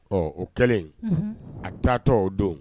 Ɔ, o kɛlen, unhun,a taa tɔ o don